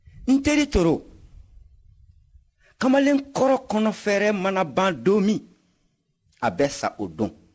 n teri toro kamalenkɔrɔ kɔnɔfɛɛrɛ mana ban don min a bɛ sa o don